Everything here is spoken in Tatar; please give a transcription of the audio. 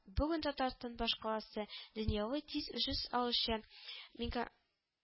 Бүген татарстан башкаласы дөньяви тиз үшеш алучы мега